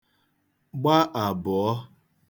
gba àbụ̀ọ